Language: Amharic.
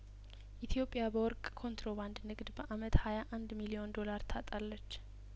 ኢትዮጵያ በወርቅ ኮንትሮባንድ ንግድ በአመት ሀያ አንድ ሚሊዮን ዶላር ታጣለች